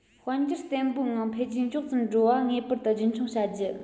དཔལ འབྱོར བརྟན པོའི ངང འཕེལ རྒྱས མགྱོགས ཙམ འགྲོ བ ངེས པར དུ རྒྱུན འཁྱོངས བྱ རྒྱུ